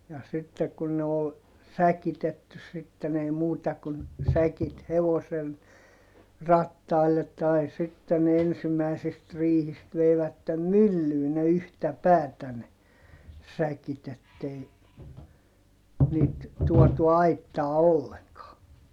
ja sitten kun ne oli säkitetty sitten ei muuta kuin säkit hevosen rattaille tai sitten ne ensimmäisistä riihistä veivät myllyyn ne yhtä päätä ne säkit että ei niitä tuotu aittaan ollenkaan